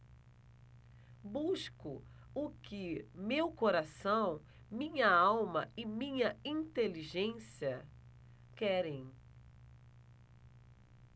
busco o que meu coração minha alma e minha inteligência querem